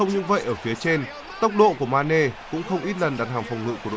không những vậy ở phía trên tốc độ của ma nê cũng không ít lần đặt hàng phòng ngự của